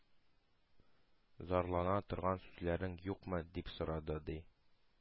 Зарлана торган сүзләрең юкмы? — дип сорады, ди.